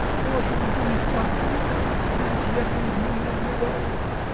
-- Положим, вы не плакали, да ведь я перед ним разливалась.